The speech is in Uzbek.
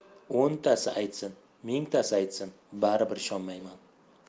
o'ntasi aytsin mingtasi aytsin baribir ishonmayman